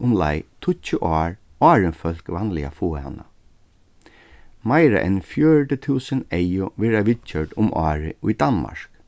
umleið tíggju ár áðrenn fólk vanliga fáa hana meira enn fjøruti túsund eygu verða viðgjørd um árið í danmark